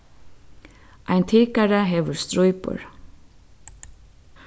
ein tikari hevur strípur